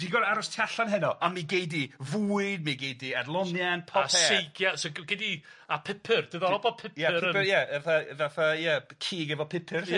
Ti'n gor'o' aros tu allan heno on' mi gei di fwyd, mi gei di adloniant popeth... A seigia so g- gei di a pupur, diddorol bo' pupur yn... Ie pupur ie fatha fatha ie cig efo pupur felly.